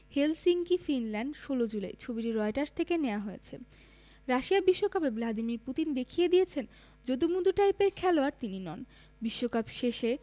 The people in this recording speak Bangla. হেলসিঙ্কি ফিনল্যান্ড ১৬ জুলাই ছবিটি রয়টার্স থেকে নেয়া হয়েছে রাশিয়া বিশ্বকাপে ভ্লাদিমির পুতিন দেখিয়ে দিয়েছেন যদু মধু টাইপের খেলোয়াড় তিনি নন বিশ্বকাপ শেষে